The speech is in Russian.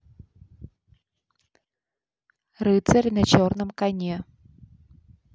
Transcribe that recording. рыцарь на черном коне